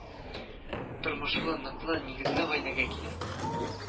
Тормышлы, ныклы нигезле гаиләгә килен